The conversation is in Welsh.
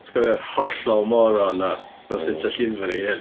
Ti'n cofio'r hollol moron yna wnaeth byta llyfr ei hun.